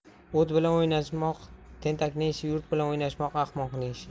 o't bilan o'ynashmoq tentakning ishi yurt bilan o'ynashmoq ahmoqning ishi